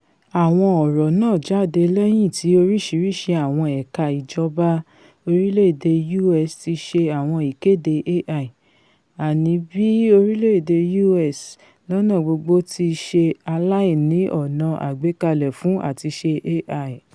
Àwọn ọ̀rọ náà jáde lẹ́yìn tí oríṣiríṣi àwọn ẹ̀ka ìjọba orílẹ̀-èdè U.S. tiṣe àwọn ìkéde AI, àní bíi orílẹ̀-èdè U.S. lọ́nà gbogbo tisẹ aláìní ọ̀nà àgbékalẹ̀ fun àtiṣe AI.